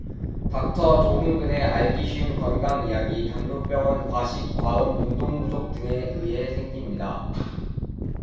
닥터 조홍근의 알기 쉬운 건강이야기 당뇨병은 과식 과음 운동부족 등에 의해 생깁니다